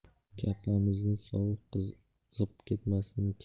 kapamizni suv oqizib ketmasmikin